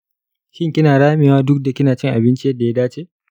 shin kina ramewa duk da kinacin abinci yadda ya dace?